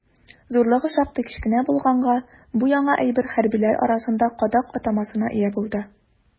Зурлыгы шактый кечкенә булганга, бу яңа әйбер хәрбиләр арасында «кадак» атамасына ия булды.